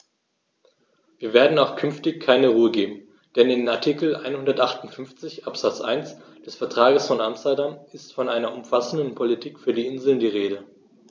Wir werden auch künftig keine Ruhe geben, denn in Artikel 158 Absatz 1 des Vertrages von Amsterdam ist von einer umfassenden Politik für die Inseln die Rede.